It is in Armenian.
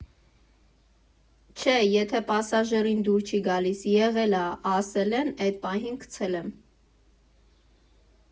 Չէ, եթե պասաժիրին դուր չի գալիս, եղել ա՝ ասել են, էդ պահին գցել եմ։